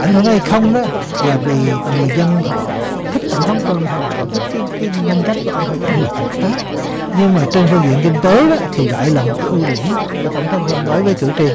ảnh hưởng hay không đó là vì người dân họ thích tổng thống trăm hay là họ thích cái cái nhân cách của ông hay không là chuyện khác nhưng mà trên phương diện kinh tế đó thì lại là một cái ưu điểm của tổng thống trăm nói với cử tri